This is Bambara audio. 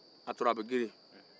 a tora a bɛ girin